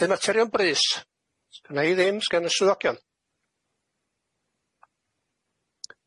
Di materion brys, sgyna i ddim, sgen y swyddogion?